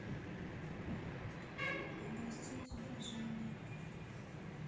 образцы изображения